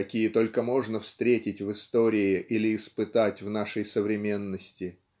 какие только можно встретить в истории или испытать в нашей современности